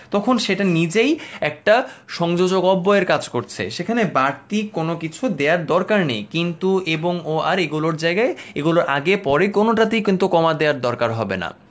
তখন সেটা নিজের একটা সংযোজক অব্যয় এর কাজ করছে সেখানে বাড়তি কোনো কিছু দেয়ার দরকার নেই কিন্তু এবং ও আর এগুলোর জায়গায় এগুলোর আগে বা পরে কোনোটাতেই কমা দেয়ার দরকার হবে না